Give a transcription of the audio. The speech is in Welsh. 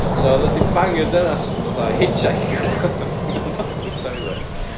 so o'dd o 'di bangio dynas fatha hitshheicio mewn public toilet